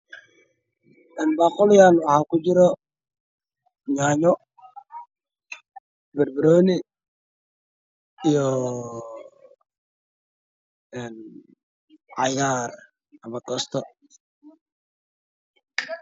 Baakad baakadkaas oo ku sawiran biidsooyin labo xabo ah oo ku kala duwan qudaarta